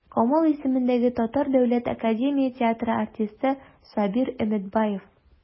Камал исемендәге Татар дәүләт академия театры артисты Сабир Өметбаев.